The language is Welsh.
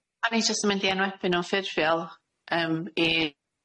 O'n i jyst yn mynd i enwebu nw'n ffurfiol yym i